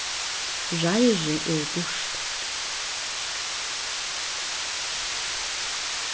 reiðrið er burtur